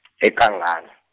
eKangala.